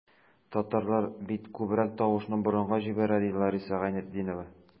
Татарлар бит күбрәк тавышны борынга җибәрә, ди Лариса Гайнетдинова.